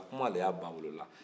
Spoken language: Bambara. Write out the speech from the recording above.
kuma de b'a ba wolo